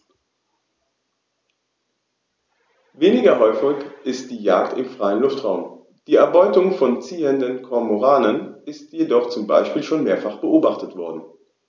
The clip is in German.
Weniger häufig ist die Jagd im freien Luftraum; die Erbeutung von ziehenden Kormoranen ist jedoch zum Beispiel schon mehrfach beobachtet worden.